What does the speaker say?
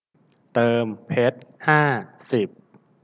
เติมเพชรห้าสิบ